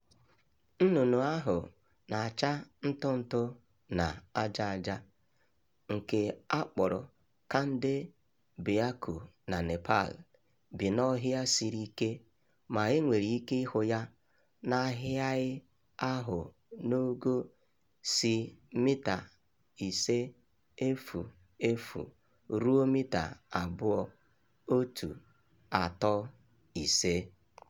Nnụnnụ ahụ na-acha ntụ ntụ na aja aja, nke a kpọrọ Kaande Bhyakur na Nepal, bi na'ọhịa siri ike ma e nwere ike ịhụ ya na-ahịaghị ahụ n'ogo si mita 500 ruo mita 2135.